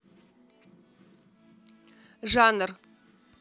жанр